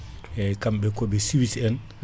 eyyi kamɓe kooɓe Suisse en